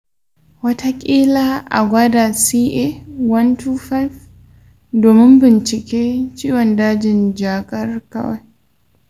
wataƙila a gwada ca 125 domin binciken ciwon dajin jakar-ƙwai.